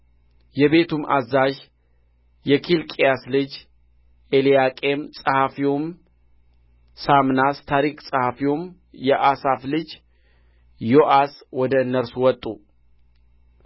የቤቱም አዛዥ የኬልቅያስ ልጅ ኤልያቄም ጸሐፊውም ሳምናስ ታሪክ ጸሐፊውም የአሳፍ ልጅ ዮአስ ወደ እነርሱ ወጡ